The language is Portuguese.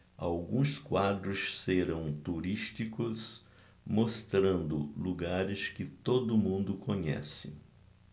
alguns quadros serão turísticos mostrando lugares que todo mundo conhece